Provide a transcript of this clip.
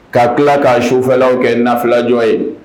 Ka kila ka sufɛlaw kɛ nafila jɔ ye.